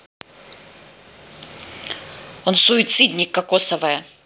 он суицидник кокосовое